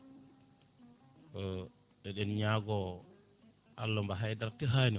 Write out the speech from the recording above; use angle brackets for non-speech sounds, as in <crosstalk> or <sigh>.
<hesitation> eɗen ñaago Allah mo haydara tehani o